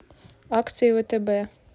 акции втб